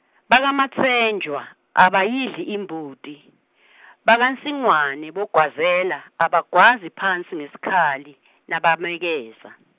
BakaMatsenjwa, abayidli imbuti , bakaNsingwane, boGwazela, abagwazi phansi ngesikhali, nabamekeza.